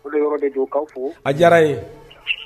O de yɔrɔ de jɔkaw fɔ a diyara ye